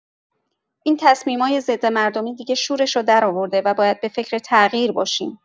این تصمیمای ضدمردمی دیگه شورشو درآورده و باید به فکر تغییر باشیم.